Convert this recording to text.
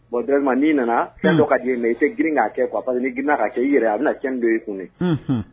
Bon directement n'i nana fɛn dɔ ka di ye mais i tɛ girin k'a kɛ quoi parce que ni girin na ka kɛ, i yɛrɛ a bɛna tiɲɛli don i kuna.